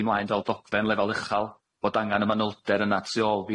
hi mlaen fel dogfen lefel uchal bod angan y manylder yna tu ôl